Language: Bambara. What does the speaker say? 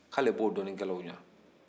ko ale b'o dɔnikɛlaw ɲɛ